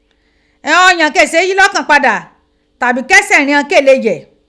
Ighan oniyan ke se e yi lokan pada tabi ki ese righan ke le ye